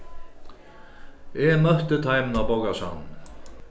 eg møtti teimum á bókasavninum